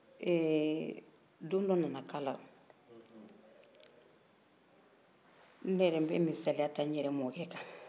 ɛɛh don dɔ nana k'a la ne yɛrɛ n bɛ misaliya ta n yɛrɛ mɔkɛ kan